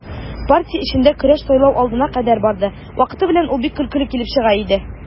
Партия эчендә көрәш сайлау алдына кадәр барды, вакыты белән ул бик көлкеле килеп чыга иде.